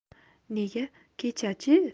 nega kecha chi